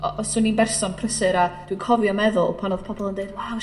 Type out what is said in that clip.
o- os o'n i'n berson prysur a dwi'n cofio meddwl pan odd pobol yn deud waw